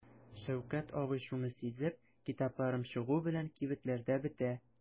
Шәүкәт абый шуны сизеп: "Китапларым чыгу белән кибетләрдә бетә".